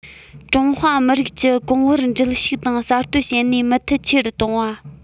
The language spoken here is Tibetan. ཀྲུང ཧྭ མི རིགས ཀྱི གོང བུར འགྲིལ ཤུགས དང གསར གཏོད བྱེད ནུས མུ མཐུད ཆེ རུ གཏོང བ